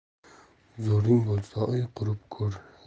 zo'ring bo'lsa uy qurib ko'r